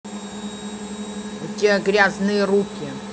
у тебя грязные руки